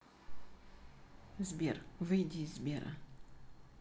сбер выйди из сбера